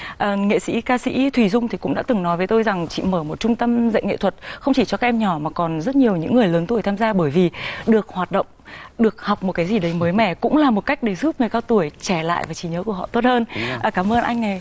ờ nghệ sĩ ca sĩ thùy dung thì cũng đã từng nói với tôi rằng chị mở một trung tâm dạy nghệ thuật không chỉ cho các em nhỏ mà còn rất nhiều những người lớn tuổi tham gia bởi vì được hoạt động được học một cái gì đấy mới mẻ cũng là một cách để giúp người cao tuổi trẻ lại và trí nhớ của họ tốt hơn ờ cám ơn anh ngày